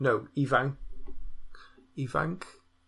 No ifan-, ifanc?